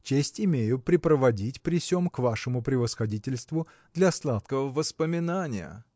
честь имею препроводить при сем к вашему превосходительству для сладкого воспоминания.